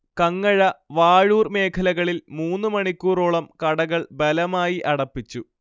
കങ്ങഴ, വാഴൂർ മേഖലകളിൽ മൂന്നു മണിക്കൂറോളം കടകൾ ബലമായി അടപ്പിച്ചു